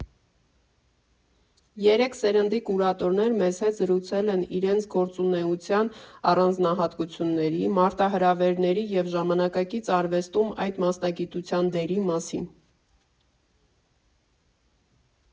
Երեք սերնդի կուրատորներ մեզ հետ զրուցել են իրենց գործունեության առանձնահատկությունների, մարտահրավերների և Ժամանակակից արվեստում այդ մասնագիտության դերի մասին։